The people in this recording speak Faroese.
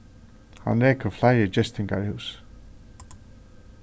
hann rekur fleiri gistingarhús